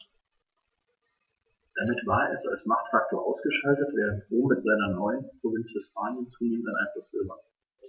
Damit war es als Machtfaktor ausgeschaltet, während Rom mit seiner neuen Provinz Hispanien zunehmend an Einfluss gewann.